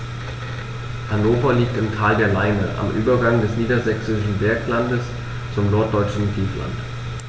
Hannover liegt im Tal der Leine am Übergang des Niedersächsischen Berglands zum Norddeutschen Tiefland.